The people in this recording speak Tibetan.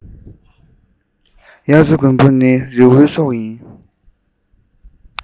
དབྱར རྩྭ དགུན འབུ ནི རི བོའི སྲོག ཡིན